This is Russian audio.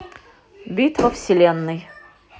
битва вселенной